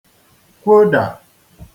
kwodà